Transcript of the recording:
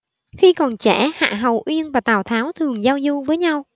khi còn trẻ hạ hầu uyên và tào tháo thường giao du với nhau